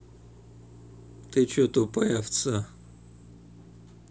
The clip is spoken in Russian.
ты че тупая овца